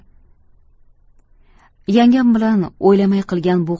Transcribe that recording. yangam bilan o'ylamay qilgan